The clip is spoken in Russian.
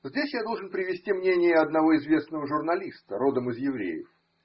Здесь я должен привести мнение одного известного журналиста, родом из евреев.